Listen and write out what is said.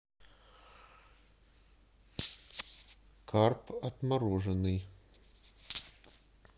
карп отмороженный